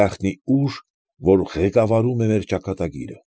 Գազանի ուժ, որ ղեկավարում է մեր ճակատագիրը։